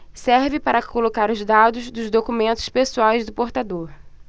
serve para colocar os dados dos documentos pessoais do portador